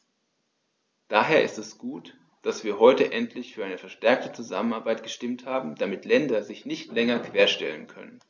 Daher ist es gut, dass wir heute endlich für eine verstärkte Zusammenarbeit gestimmt haben, damit gewisse Länder sich nicht länger querstellen können.